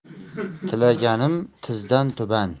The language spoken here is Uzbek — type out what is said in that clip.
tilaganim tizdan tuban